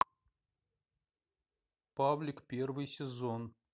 павлик первый сезон